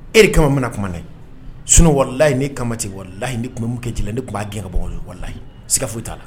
E de kama min tuma ne sun warilayi ne kama tɛ walilahiyi ni tunmu kɛ j ne tun'a gɛngɛbagaw ye walalahi siiga foyi t'a la